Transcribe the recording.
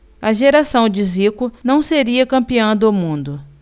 a geração de zico não seria campeã do mundo